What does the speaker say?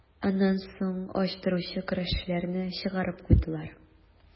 Аннан соң ач торучы көрәшчеләрне чыгарып куйдылар.